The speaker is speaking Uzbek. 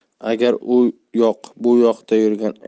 agar u yoq bu yoqda yurgan